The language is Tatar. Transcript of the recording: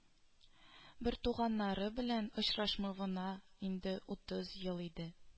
Бертуганнары белән очрашмавына инде утыз ел иде